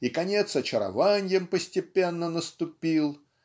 и конец очарованьям постепенно наступил